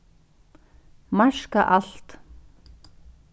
marka alt